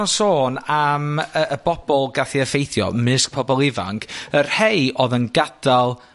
o sôn am y y bobol gath eu effeithio mysg pobol ifanc. Y rhei odd yn gadal